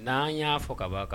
N'an y'a fɔ ka kan